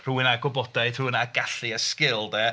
Rhywun â gwybodaeth, rhywun â gallu a sgil de.